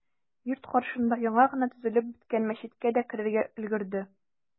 Йорт каршында яңа гына төзелеп беткән мәчеткә дә керергә өлгерде.